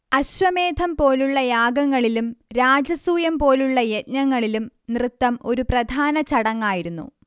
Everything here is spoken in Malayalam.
അശ്വമേധം പോലുള്ള യാഗങ്ങളിലും രാജസൂയം പോലുള്ള യജ്ഞങ്ങളിലും നൃത്തം ഒരു പ്രധാന ചടങ്ങായിരുന്നു